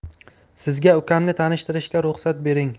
sizga ukamni tanishtirishga ruxsat bering